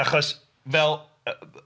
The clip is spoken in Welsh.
Achos fel